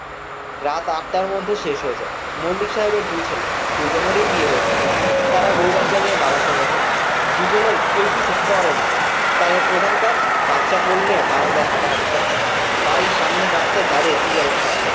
রাত আটটার মধ্যে শেষ হয়ে যায় মল্লিক সাহেবের দুই ছেলে দু'জনেরই বিয়ে হয়েছে তারা বউ-বাচ্চা নিয়ে বাবার সঙ্গে থাকে দুজনের কেউ কিছু করে না তাদের প্রধান কাজ বাচ্চা কোলে নিয়ে বারান্দায় হাঁটাহাঁটি করা বাড়ির সামনের রাস্তায় দাঁড়িয়ে সিগারেট খাওয়া